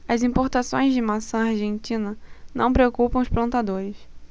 as importações de maçã argentina não preocupam os plantadores